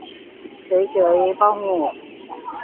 เฉยเฉย บ่รู้